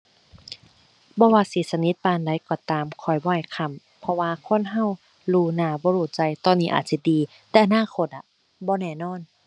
บ่ว่าสิสนิทปานใดก็ตาม ข้อยบ่ให้ค้ำ เพราะว่าคนเรารู้หน้าบ่รู้ใจ ตอนนี้อาจจะดี แต่อนาคตอะ บ่แน่นอน